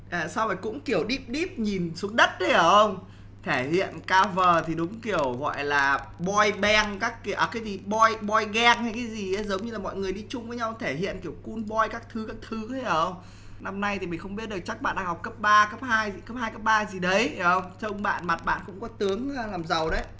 xong rồi cũng kiểu đíp đíp nhìn xuống đất ý hiểu không thể hiện ca vờ thì đúng kiểu gọi là boi ben các kiểu à cái gì boi boi ghen hay cái gì ý giống như là mọi người đi chung với nhau thể hiện kiểu cun boi các thứ các thứ ý hiểu không năm nay thì mình không biết được chắc bạn đang học cấp ba cấp hai cấp hai cấp ba gì đấy hiểu không trông bạn mặt bạn cũng có tướng làm giàu đấy